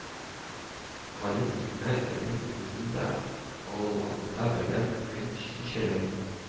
Гаеп итмә, энем үзем дә алабута белән көн кичерәм